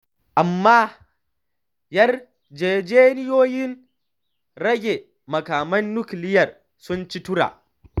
Amma yarjejeniyoyin rage makaman nukiliyar sun ci tura.